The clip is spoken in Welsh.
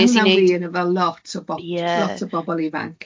Wnes i wneud... Ma hwna'n wir efo fel lot o bo- Ie. ...lot o bobl ifanc.